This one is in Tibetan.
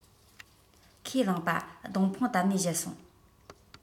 ཁས བླངས པ སྡོང ཕུང བཏབས ནས བཞད སོང